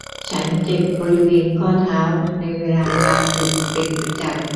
ฉันเจ็บบริเวณข้อเท้าในเวลากลางดึกเป็นประจำ